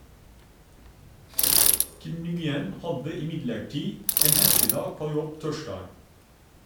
Kim Nguyen hadde imidlertid en heftig dag på jobb torsdag.